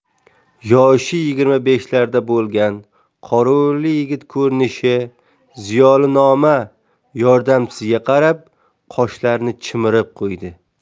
yoshi yigirma beshlarda bo'lgan qoruvli yigit ko'rinishi ziyolinamo yordamchisiga qarab qoshlarini chimirib qo'ydi